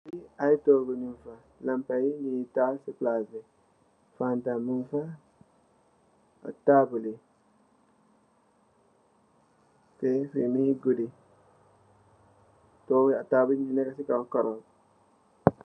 Li aye togou nehk la lampa yi nyounge tahal ci nehk bi palantir moungfa aye tabol yi fini mougui goddi tabol yi neka ci kaw karro.